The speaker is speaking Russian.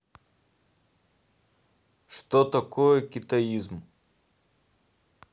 что такое китаизм